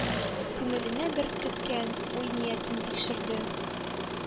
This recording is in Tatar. Күңеленә беркеткән уй-ниятен тикшерде.